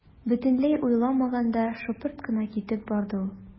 Бөтенләй уйламаганда шыпырт кына китеп барды ул.